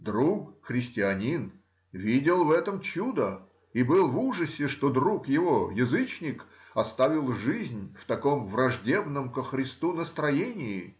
Друг христианин видел в этом чудо и был в ужасе, что друг его язычник оставил жизнь в таком враждебном ко Христу настроении.